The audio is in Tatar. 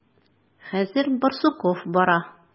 Хәзер Барсуков бара.